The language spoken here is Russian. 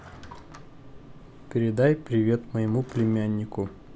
передай привет моему племяннику